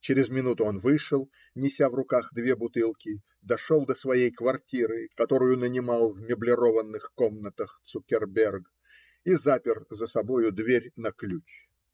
Через минуту он вышел, неся в руках две бутылки, дошел до своей квартиры, которую нанимал в меблированных комнатах Цукерберг, и запер за собою дверь на ключ.